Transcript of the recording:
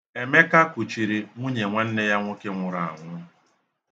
Emeka kuchiri nwunye nwanne ya nwoke nwụrụ anwụ.